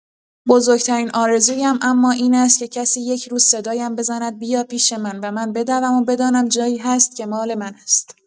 بزرگ‌ترین آرزویم اما این است که کسی یک روز صدایم بزند: «بیا پیش‌من» و من بدوم و بدانم جایی هست که مال من است.